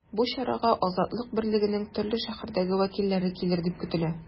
Бу чарага “Азатлык” берлегенең төрле шәһәрдәге вәкилләре килер дип көтелә.